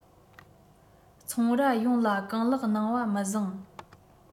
ཚོང རྭ ཡོངས ལ གང ལེགས གནང བ མི བཟང